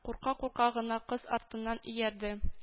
Курка-курка гына кыз артыннан иярде